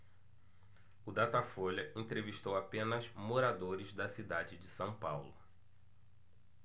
o datafolha entrevistou apenas moradores da cidade de são paulo